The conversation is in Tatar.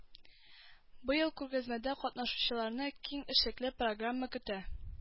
Быел күргәзмәдә катнашучыларны киң эшлекле программа көтә